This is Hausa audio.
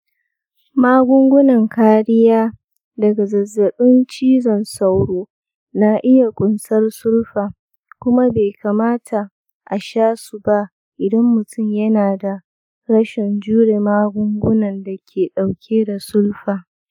magungunan kariya daga zazzaɓin cizon sauro na iya ƙunsar sulfa, kuma bai kamata a sha su ba idan mutum yana da rashin jure magungunan da ke ɗauke da sulfa.